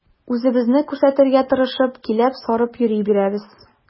Үзебезне күрсәтергә тырышып, киләп-сарып йөри бирәбез.